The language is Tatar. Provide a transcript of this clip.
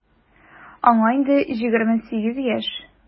Аңа инде 28 яшь.